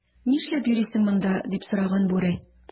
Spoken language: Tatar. "нишләп йөрисең монда,” - дип сораган бүре.